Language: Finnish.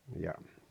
ja